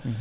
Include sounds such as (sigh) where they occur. (hesitation) (hesitation)